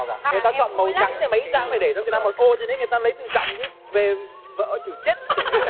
người ta chọn màu trắng thì mày ít ra phải để cho người ta một ô để người ta lấy tự trọng chứ về vợ chửi chết